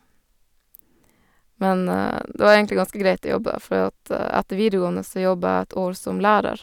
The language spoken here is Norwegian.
Men det var egentlig ganske greit å jobbe, fordi at etter videregående så jobba jeg et år som lærer.